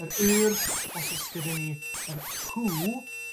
yr yr os o's gyda ni y who